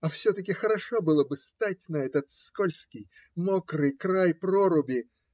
А все-таки хорошо было бы стать на этот скользкий, мокрый край проруби.